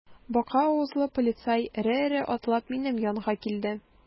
Бака авызлы полицай эре-эре атлап минем янга килде.